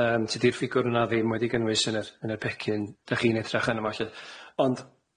yym tydi'r ffigwr yna ddim wedi gynnwys yn yr yn yr pecyn dach chi'n edrach arno fo lly ond,